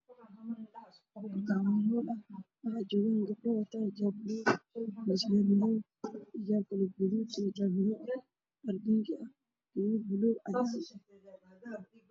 Waa dad badan oo meel fadhiyo waxey wataan dhar gaduud ah